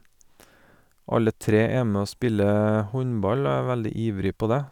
Alle tre er med og spiller håndball og er veldig ivrig på dét.